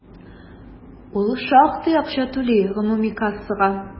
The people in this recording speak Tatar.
Ул шактый акча түли гомуми кассага.